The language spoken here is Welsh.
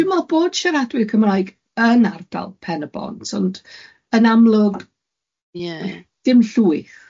Dwi'n meddwl bod siaradwyr Cymraeg yn ardal Pen y Bont, ond yn amlwg... Ie. ...dim llwyth.